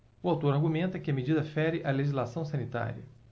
o autor argumenta que a medida fere a legislação sanitária